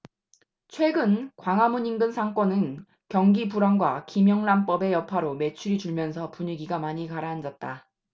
최근 광화문 인근 상권은 경기 불황과 김영란법의 여파로 매출이 줄면서 분위기가 많이 가라앉았다